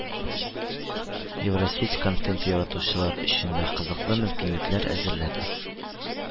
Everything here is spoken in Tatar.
“евросеть” контент яратучылар өчен дә кызыклы мөмкинлекләр әзерләде